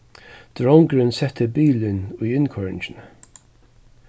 drongurin setti bilin í innkoyringini